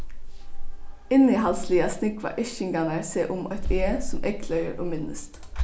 innihaldsliga snúgva yrkingarnar seg um eitt eg sum eygleiðir og minnist